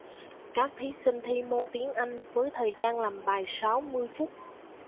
các thí sinh thi môn tiếng anh với thời gian làm bài sáu mươi phút